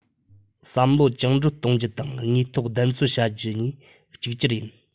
བསམ བློ བཅིངས འགྲོལ གཏོང རྒྱུ དང དངོས ཐོག བདེན འཚོལ བྱ རྒྱུ གཉིས གཅིག གྱུར ཡིན